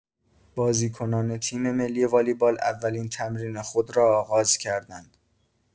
بازیکنان تیم‌ملی والیبال اولین تمرین خود را آغاز کردند.